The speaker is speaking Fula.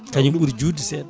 kañum ɓuuri judde seeɗa